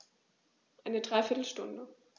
Eine dreiviertel Stunde